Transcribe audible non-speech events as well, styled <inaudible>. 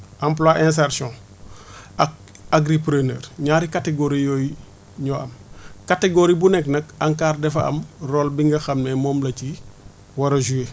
emploie insertion <breath> ak agri preneur ñaari pcatégories yooyu ñoo am catégorie bu nekk nag ANCAR dafa am rôle bi nga xam ne moom la ci war a joué